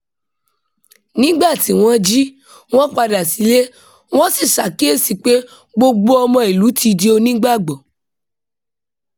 Nígbà tí wọ́n jí, wọ́n padà sílé, wọ́n sì ṣàkíyèsí wípé gbogbo ọmọ ìlú ti di ònígbàgbọ́.